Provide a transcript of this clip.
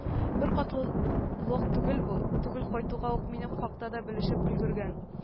“беркатлы лох түгел бу, түгел, кайтуга ук минем хакта да белешеп өлгергән”